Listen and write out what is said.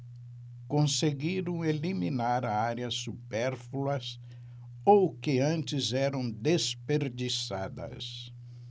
conseguiram eliminar áreas supérfluas ou que antes eram desperdiçadas